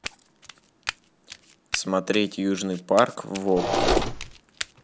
смотреть южный парк в окко